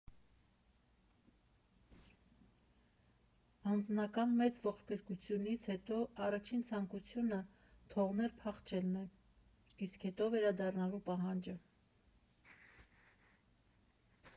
Անձնական մեծ ողբերգությունից հետո առաջին ցանկությունը թողնել֊փախչելն է, իսկ հետո՝վերադառնալու պահանջը։